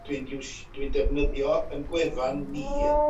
dwi'n iws- dwi'n defnyddio 'yn gwefan ni